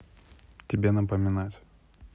тебе напоминать